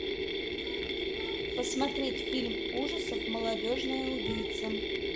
посмотреть фильм ужасов молодежная убийца